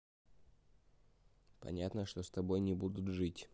понятно что с тобой не будут жить